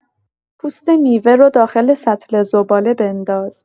پوست میوه رو داخل سطل زباله بنداز.